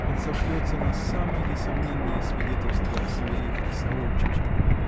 он сошлется на самые несомненные свидетельства своих соотчичей!